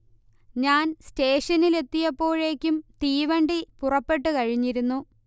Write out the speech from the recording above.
ഞാൻ സ്റ്റേഷനിലെത്തിയപ്പോഴേക്കും തീവണ്ടി പുറപ്പെട്ടു കഴിഞ്ഞിരുന്നു